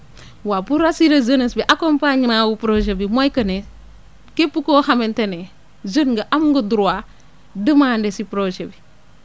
waaw pour rassurer jeunesse bi accompagnement wu projet bi mooy que ne képp koo xamante ne jeune nga am nga droit demander si projet bi